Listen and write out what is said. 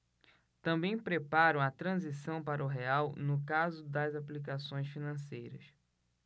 também preparam a transição para o real no caso das aplicações financeiras